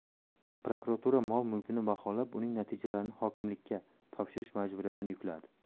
prokuratura mol mulkni baholab uning natijalarini hokimlikka topshirish majburiyatini yukladi